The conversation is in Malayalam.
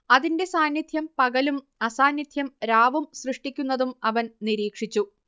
അതിന്റെ സാന്നിദ്ധ്യം പകലും അസാന്നിദ്ധ്യം രാവും സൃഷ്ടിക്കുന്നതും അവൻ നിരീക്ഷിച്ചു